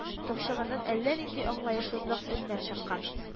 Томшыгыннан әллә нинди аңлаешсызлык өннәр чыккан: